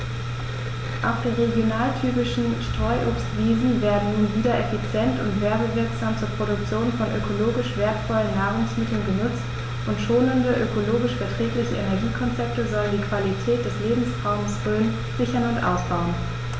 Auch die regionaltypischen Streuobstwiesen werden nun wieder effizient und werbewirksam zur Produktion von ökologisch wertvollen Nahrungsmitteln genutzt, und schonende, ökologisch verträgliche Energiekonzepte sollen die Qualität des Lebensraumes Rhön sichern und ausbauen.